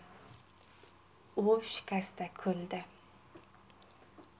u shikasta kuldi